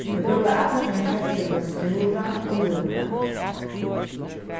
teir brúka allar sínar kreftir til at stúra og lúra